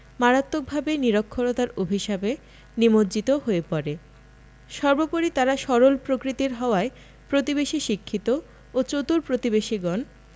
মারাত্মকভাবে নিরক্ষরতার অভিশাপে নিমজ্জিত হয়ে পড়ে সর্বপরি তারা সরল প্রকৃতির হওয়ায় প্রতিবেশী শিক্ষিত ও চতুর প্রতিবেশীগণ